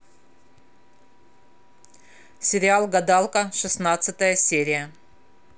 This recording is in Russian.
сериал гадалка шестнадцатая серия